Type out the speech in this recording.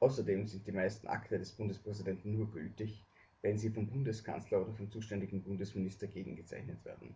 Außerdem sind die meisten Akte des Bundespräsidenten nur gültig, wenn sie vom Bundeskanzler oder vom zuständigen Bundesminister gegengezeichnet werden.